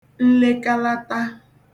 nlekalata